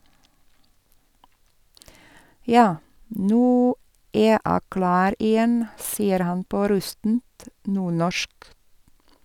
- Ja, nu e æ klar igjen, sier han på rustent nordnorsk.